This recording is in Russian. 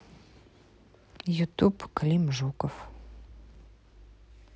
ютуб клим жуков